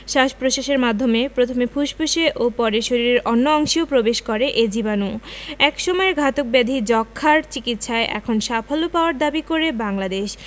শ্বাস প্রশ্বাসের মাধ্যমে প্রথমে ফুসফুসে ও পরে শরীরের অন্য অংশেও প্রবেশ করে এ জীবাণু একসময়ের ঘাতক ব্যাধি যক্ষ্মার চিকিৎসায় এখন সাফল্য পাওয়ার দাবি করে বাংলাদেশ